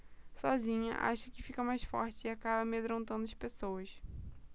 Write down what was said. sozinha acha que fica mais forte e acaba amedrontando as pessoas